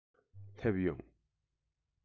སླེབས ཡོང